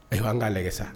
Ayiwa'an k'a lajɛ sa